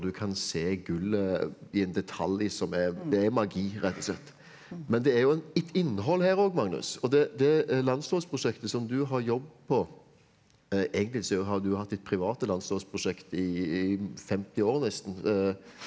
og du kan se gullet i en detalj som er det er magi rett og slett men det er jo en et innhold her òg Magnus og det det landlovsprosjektet som du har jobbet på egentlig så har du hatt ditt private landslovenprosjekt i i 50 år nesten .